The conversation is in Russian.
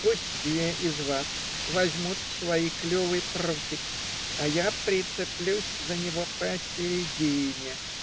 Пусть две из вас возьмут в свои клювы прутик, а я прицеплюсь за него посередине.